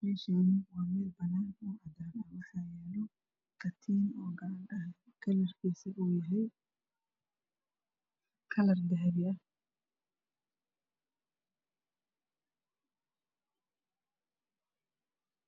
Meeshaani waa meel banaan oo cadaan waxa yaalo katiin kalarkisa yahay kalar dahabi ah